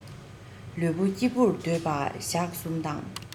ལུས པོ སྐྱིད པོར སྡོད པ ཞག གསུམ དང